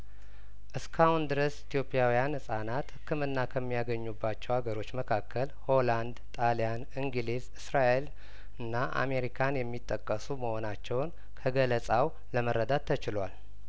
እስካሁን ድረስ ኢትዮጵያውያን ህጻናት ህክምና ከሚያገኙባቸው ሀገሮች መካከል ሆላንድ ጣሊያን እንግሊዝ እስራኤል እና አሜሪካን የሚጠቀሱ መሆናቸውን ከገለጻው ለመረዳት ተችሏል